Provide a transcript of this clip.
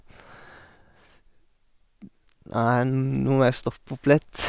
Nei, nå må jeg stoppe opp litt...